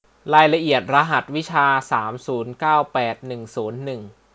รายละเอียดรหัสวิชาสามศูนย์เก้าแปดหนึ่งศูนย์หนึ่ง